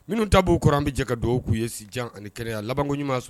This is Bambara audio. Minnu ta'o kuran an bɛ jɛ ka dɔw k'u ye si ani kɛnɛyarɛnya labankoɲumanmaa sɔrɔ